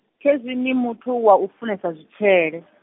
khezwi ni muthu wau funesa zwitshele ?